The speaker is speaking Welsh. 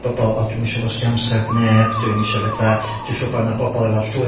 bobol o dwi'm isio wastio amser neb, dwi'm isia fetha, dwi siŵr bo' 'na bobol efo llwyth